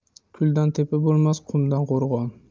kuldan tepa bo'lmas qumdan qo'rg'on